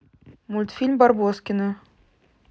мультфильм барбоскины